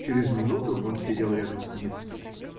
Через минуту он сидел рядом с Ниццей.